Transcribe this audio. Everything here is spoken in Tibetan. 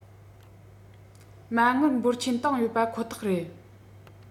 མ དངུལ འབོར ཆེན བཏང ཡོད པ ཁོ ཐག རེད